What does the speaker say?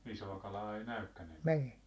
isoa kalaa ei näykään enää